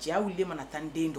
Cɛ le mana tan n den do